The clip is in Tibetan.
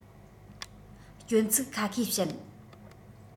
སྐྱོན ཚིག ཁ ཤས བཤད